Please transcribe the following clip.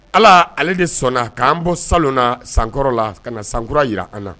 Ala ale de sɔnna k'an bɔ salon na sankɔrɔ la ka na san kura jira an na